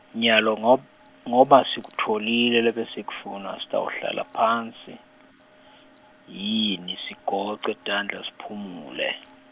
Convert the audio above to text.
nyalo ngob- ngoba sikutfolile lebesikufuna, sitawuhlala phansi, yini sigoce tandla siphumule.